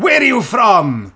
Where are you from?